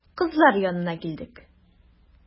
Кызлар янына килдек.